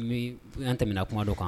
n bi, an tɛmɛna kuma dɔw kan